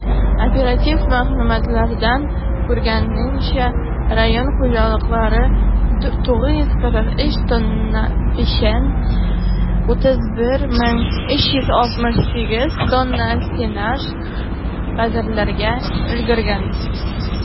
Оператив мәгълүматлардан күренгәнчә, район хуҗалыклары 943 тонна печән, 31368 тонна сенаж хәзерләргә өлгергән.